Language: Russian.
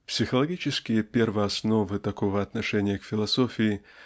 Психологические первоосновы такого отношения к философии